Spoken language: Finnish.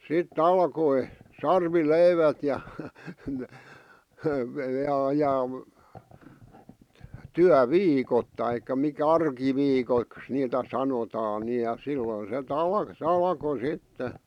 sitten alkoi sarvileivät ja ja ja työviikot tai mikä arkiviikoiksi niitä sanotaan niin ja silloin -- se alkoi sitten